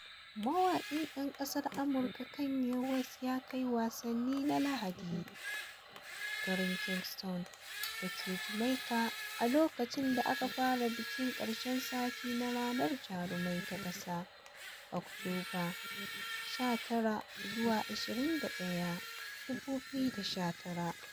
Mawaƙi ɗan ƙasar Amurka Kanye West ya kai "Wasansa na Lahadi" garin Kingston da ke Jamaika a lokacin da aka fara bikin ƙarshen sati na Ranar Jarumai ta ƙasa. (Oktoba 19-21, 2019).